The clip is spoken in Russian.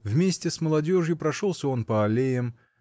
Вместе с молодежью прошелся он по аллеям